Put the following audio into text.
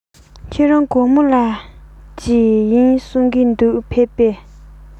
ཁྱེད རང གོར མོ ལ འགྲོ རྒྱུ ཡིན གསུང པས ཕེབས སོང ངམ